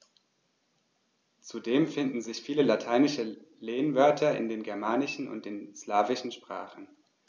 Zudem finden sich viele lateinische Lehnwörter in den germanischen und den slawischen Sprachen.